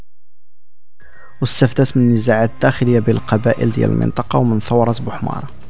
استني زعلت اخليه بالقبائل المنطقه ومن فورت بحمار